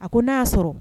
A ko n'a y'a sɔrɔ